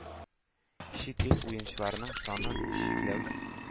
Чит ил уенчыларының санын чикләү,